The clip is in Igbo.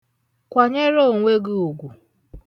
Kwanyere onwe gị ụgwụ!